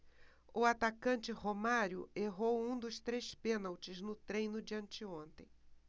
o atacante romário errou um dos três pênaltis no treino de anteontem